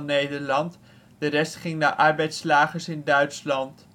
Nederland, de rest ging naar arbeitslagers in Duitsland